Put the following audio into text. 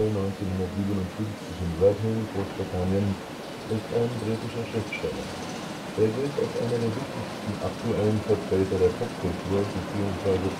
1957 in Redhill, Großbritannien), ist ein britischer Schriftsteller. Er gilt als einer der wichtigsten aktuellen Vertreter der Popkultur bzw.